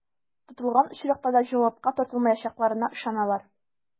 Тотылган очракта да җавапка тартылмаячакларына ышаналар.